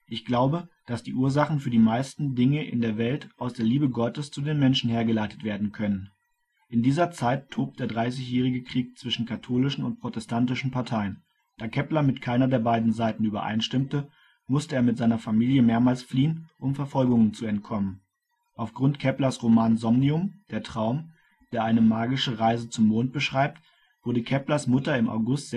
Ich glaube, dass die Ursachen für die meisten Dinge in der Welt aus der Liebe Gottes zu den Menschen hergeleitet werden können. In dieser Zeit tobt der Dreißigjährige Krieg zwischen katholischen und protestantischen Parteien. Da Kepler mit keiner der beiden Seiten übereinstimmte, musste er mit seiner Familie mehrmals fliehen, um Verfolgungen zu entkommen. Aufgrund Keplers Roman Somnium (Der Traum), der eine magische Reise zum Mond beschreibt, wurde Keplers Mutter im August